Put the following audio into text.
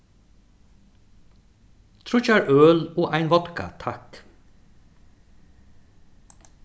tríggjar øl og ein vodka takk